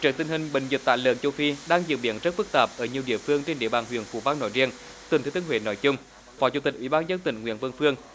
trước tình hình bệnh dịch tả lợn châu phi đang diễn biến rất phức tạp ở nhiều địa phương trên địa bàn huyện phú vang nói riêng tỉnh thừa thiên huế nói chung phó chủ tịch ủy ban dân tỉnh nguyễn văn phương